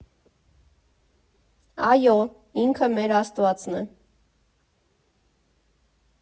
Այո՛, ինքը մեր Աստվածն է։